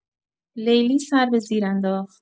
لیلی سر به زیر انداخت.